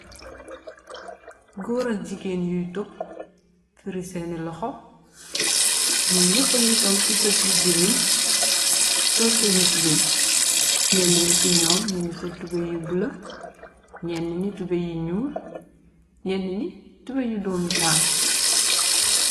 Goor ak jigeen yuy tup eketi sen luxhu nyum nyep nyungi sul t-shirt yu green sul seni tubey nyeni yi si nyum nyungi sul tubey yu buluh nyeni yi tubey yu nyul nyeni yi tubey yu dume taal